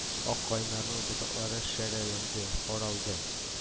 Ак каеннарның ботаклары шәрәләнде, каралды